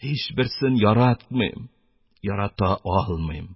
Һичберсен яратмыйм, ярата алмыйм...